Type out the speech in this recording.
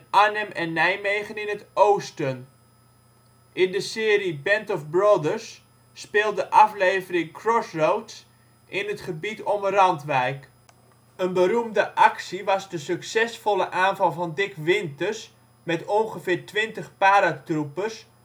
Arnhem en Nijmegen in het oosten. In de serie Band of Brothers speelt de aflevering Crossroads in het gebied om Randwijk. Een beroemde actie was de succesvolle aanval van Dick Winters met ongeveer twintig paratroopers